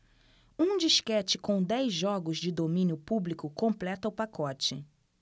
um disquete com dez jogos de domínio público completa o pacote